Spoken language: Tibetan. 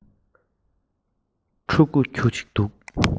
ཕྲུ གུ ཁྱུ གཅིག འདུག